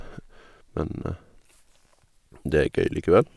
Men det er gøy likevel.